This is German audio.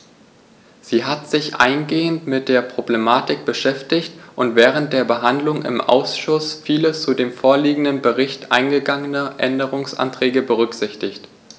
Sie hat sich eingehend mit der Problematik beschäftigt und während der Behandlung im Ausschuss viele zu dem vorliegenden Bericht eingegangene Änderungsanträge berücksichtigt.